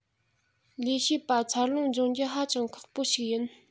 ལས བྱེད པ འཚར ལོངས འབྱུང རྒྱུ ཧ ཅང ཁག པོ ཞིག ཡིན